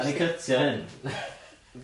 'Nawn ni cutio hyn!